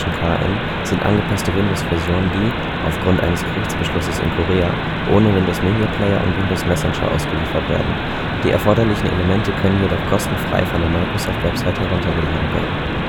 KN sind angepasste Windows-Versionen die – aufgrund eines Gerichtsbeschlusses in Korea – ohne Windows Media Player und Windows Messenger ausgeliefert werden. Die erforderlichen Elemente können jedoch kostenfrei von der Microsoft-Webseite heruntergeladen werden